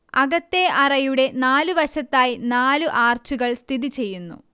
അകത്തേ അറയുടെ നാലു വശത്തായി നാലു ആർച്ചുകൾ സ്ഥിതി ചെയ്യുന്നു